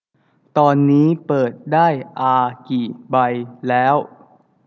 ตอนนี้เปิดได้อากี่ใบแล้ว